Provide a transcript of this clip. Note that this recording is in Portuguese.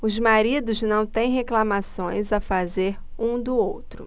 os maridos não têm reclamações a fazer um do outro